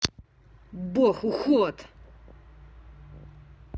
бог уход